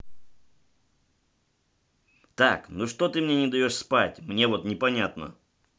так ну что ты мне не даешь спать мне вот непонятно